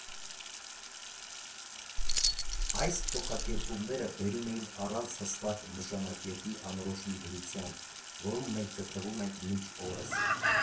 Այս փոխակերպումները բերում էին առանց հստակ նշանակետի անորոշ մի դրության, որում մենք գտնվում ենք մինչ օրս։